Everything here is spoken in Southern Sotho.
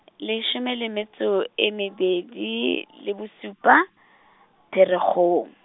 leshome le metso e mebedi, le bosupa, Pherekgong.